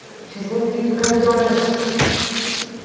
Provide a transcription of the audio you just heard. че завис гаденыш